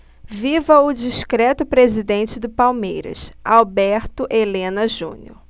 viva o discreto presidente do palmeiras alberto helena junior